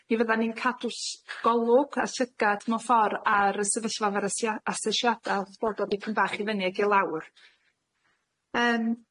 Mi fyddan ni'n cadw s- golwg a llygad mewn ffor' ar y sefyllfa efo'r asesiada os bod o dipyn bach i fyny ag i lawr yym